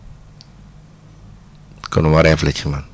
kon waree la ci man